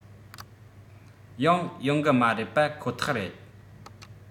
ཡང ཡོང གི མ རེད པ ཁོ ཐག རེད